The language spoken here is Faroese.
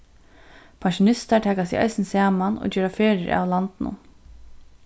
pensjonistar taka seg eisini saman og gera ferðir av landinum